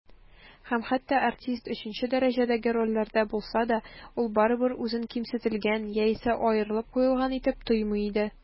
Һәм хәтта артист өченче дәрәҗәдәге рольләрдә булса да, ул барыбыр үзен кимсетелгән яисә аерылып куелган итеп тоймый иде.